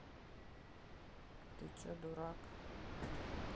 ты че дурак